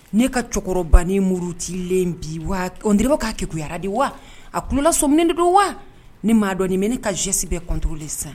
Ne ka cɛkɔrɔba ni muru'len bi waba k kaa kɛkuyara de wa a tulola somminɛ de don wa ni maa dɔniminɛ ne ka zsi bɛ tt le sisan